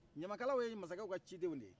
ɲamakalaw ye mansakɛw ka cidenw de ye